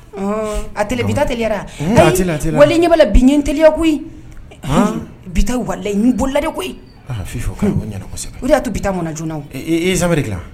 A bi ta teliyara wali i ɲɛ b'a la bi n ɲɛ n teliya koyi bi ta walahi n boli la koyi o de y'a to bi ta mɔn na joona o i ye saamɛn de gilan